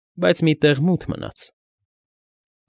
Բայց մի տեղ մութ մնաց։